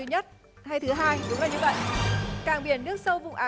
thứ nhất hay thứ hai đúng là như vậy cảng biển nước sâu vũng áng